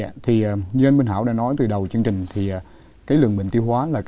dạ thì như anh minh thảo đã nói từ đầu chương trình thì cái lượng bệnh tiêu hóa là